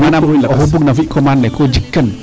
Andaam ee oxu bug'ina fi commande le ko jikkan ?